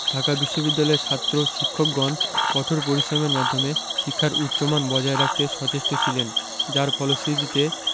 ঢাকা বিশ্ববিদ্যালয়ের ছাত্র শিক্ষকগণ কঠোর পরিশ্রমের মাধ্যমে শিক্ষার উচ্চমান বজায় রাখতে সচেষ্ট ছিলেন যার ফলশ্রুতিতে